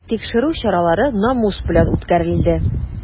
Тикшерү чаралары намус белән үткәрелде.